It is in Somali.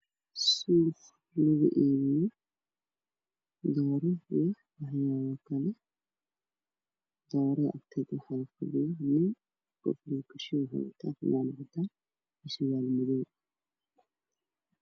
Waa suuq waxaa lagu iibiyaa doorooyin shabaqa ay ku jiraan nin ayaa agfadhiyo fanaanad caqabo tendho ayaa ka dambeysa